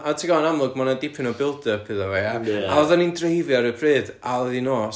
A ti'n gwbod yn amlwg ma' 'na dipyn o build-up iddo fo ia a oeddwn ni'n dreifio ar y bryd a oedd hi'n nos